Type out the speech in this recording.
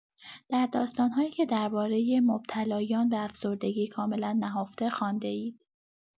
در داستان‌هایی که درباره مبتلایان به افسردگی کاملا نهفته خوانده‌اید.